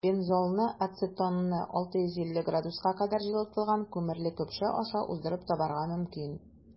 Бензолны ацетиленны 650 С кадәр җылытылган күмерле көпшә аша уздырып табарга мөмкин.